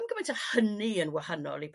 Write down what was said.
dim gymaint a hynny yn wahanol i